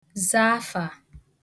-za afà